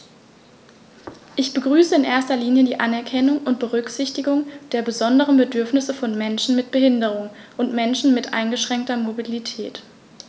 Ich begrüße in erster Linie die Anerkennung und Berücksichtigung der besonderen Bedürfnisse von Menschen mit Behinderung und Menschen mit eingeschränkter Mobilität.